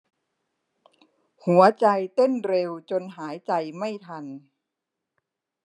หัวใจเต้นเร็วจนหายใจไม่ทัน